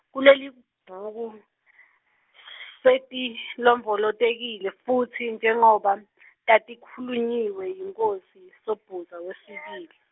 Kulelibhuku, setilondvolotekile futsi njengoba , tatikhulunyiwe yinkhosi, Sobhuza wesibili.